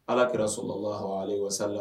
Ala kɛrara soma h wa